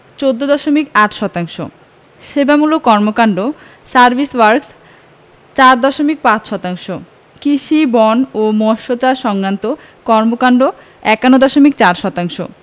১৪দশমিক ৮ শতাংশ সেবামূলক কর্মকান্ড সার্ভিস ওয়ার্ক্স ৪ দশমিক ৫ শতাংশ কৃষি বন ও মৎসচাষ সংক্রান্ত কর্মকান্ড ৫১ দশমিক ৪ শতাংশ